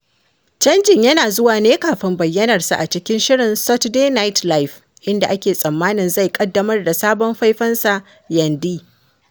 Canjin yana zuwa ne kafin bayyanarsa a cikin shirin Saturday Night Live, inda ake tsammanin zai ƙaddamar da sabon faifansa Yandhi.